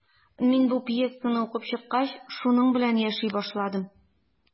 Мин бу пьесаны укып чыккач, шуның белән яши башладым.